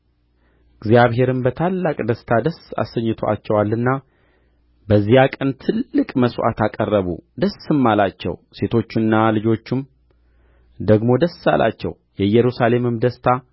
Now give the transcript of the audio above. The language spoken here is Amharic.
እግዚአብሔርም በታላቅ ደስታ ደስ አሰኝቶአቸዋልና በዚያ ቀን ትልቅ መሥዋዕት አቀረቡ ደስም አላቸው ሴቶቹና ልጆቹም ደግሞ ደስ አላቸው የኢየሩሳሌምም ደስታ